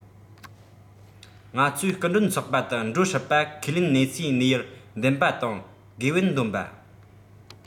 ང ཚོའི སྐུ མགྲོན ཚོགས པ དུ འགྲོ སྲིད པ ཁས ལེན གནས སའི གནས ཡུལ འདེམས པ དང དགེ བེད འདོན པ